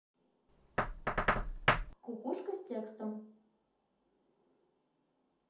кукушка с текстом